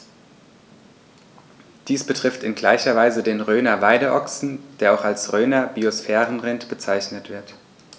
Dies betrifft in gleicher Weise den Rhöner Weideochsen, der auch als Rhöner Biosphärenrind bezeichnet wird.